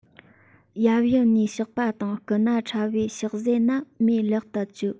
ཡབ ཡུམ གཉིས གཤེགས པ དང སྐུ ན ཕྲ བས ཕྱག རྫས རྣམས མིའི ལག ཏུ བཅོལ